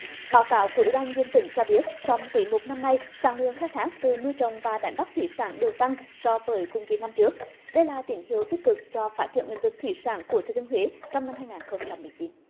báo cáo của ủy ban nhân dân tỉnh cho biết trong quý một năm nay sản lượng khai thác từ nuôi trồng và đánh bắt thủy sản đều tăng so với cùng kỳ năm trước đây là tín hiệu tích cực cho phát triển lĩnh vực thủy sản của thừa thiên huế trong năm hai ngàn không trăm mười chín